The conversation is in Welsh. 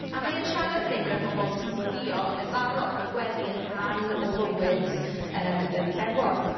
A mae e'n siarad fan hyn gyda pobl sy'n gweddïo yn barod, ma' gweddi yn rhan o fywyd yr Iddewon.